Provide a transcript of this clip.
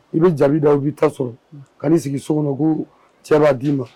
I bɛ jaabi dɔ i bɛi ta sɔrɔ ka'i sigi sokɔnɔ ko cɛ b' d'i ma